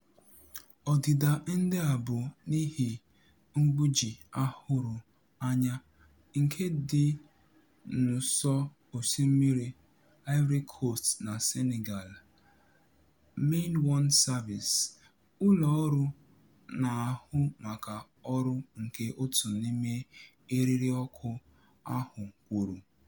Ọdịda ndị a bụ n'ihi mgbuji a hụrụ anya nke dị n'ụsọ osimiri Ivory Coast na Senegal, Main One Service, ụlọọrụ na-ahụ maka ọrụ nke otu n'ime eririọkụ ahụ kwuru.